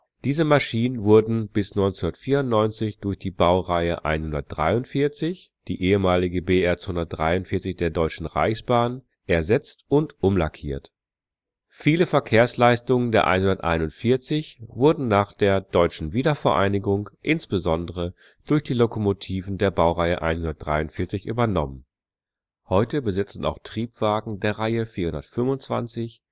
Diese Maschinen wurden bis 1994 durch die Baureihe 143 (ehemalige BR 243 der Deutschen Reichsbahn) ersetzt und umlackiert. Viele Verkehrsleistungen der 141 wurden nach der Deutschen Wiedervereinigung insbesondere durch die Lokomotiven der Baureihe 143 übernommen. Heute besetzen auch Triebwagen der Reihe 425